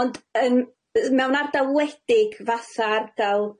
Ond yym yy mewn ardal wedig fatha ardal